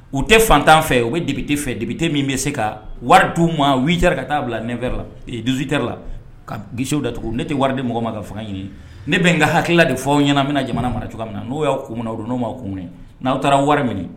U tɛ fantan fɛ o bɛ debite fɛ dibite min bɛ se ka wari di ma wja ka taa bila nfɛɛrɛ la dusutɛ la ka gesew da tugun ne tɛ wari de mɔgɔ ma ka fanga ɲini ne bɛ n ka hakilikila de fɔ aw ɲɛna bɛna jamana mara cogo min na n'o y'awa kun o don n'o maa kun n'aw taara wari ɲini